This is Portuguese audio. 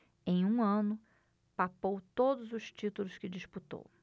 em um ano papou todos os títulos que disputou